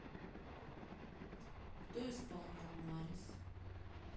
кто исполнял марисс